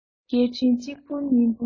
སྐད འཕྲིན གཅིག ཕུར གཉིས ཕུར